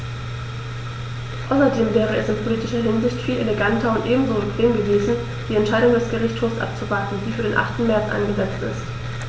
Außerdem wäre es in politischer Hinsicht viel eleganter und ebenso bequem gewesen, die Entscheidung des Gerichtshofs abzuwarten, die für den 8. März angesetzt ist.